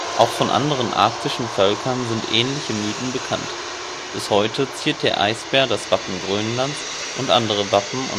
Auch von anderen arktischen Völkern sind ähnliche Mythen bekannt. Bis heute ziert der Eisbär das Wappen Grönlands und andere Wappen